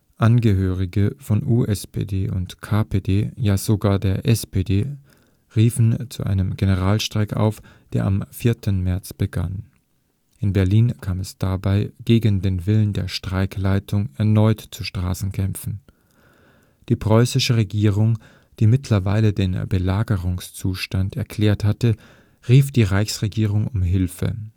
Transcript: Angehörige von USPD und KPD, ja sogar der SPD, riefen zu einem Generalstreik auf, der am 4. März begann. In Berlin kam es dabei gegen den Willen der Streikleitung erneut zu Straßenkämpfen. Die preußische Regierung, die mittlerweile den Belagerungszustand erklärt hatte, rief die Reichsregierung um Hilfe